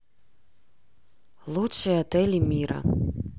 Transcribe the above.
лучшие отели мира